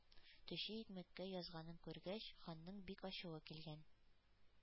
Төче икмәккә язганын күргәч, ханның бик ачуы килгән: